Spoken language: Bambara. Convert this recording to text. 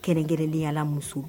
Kɛrɛnkɛrɛnliyala muso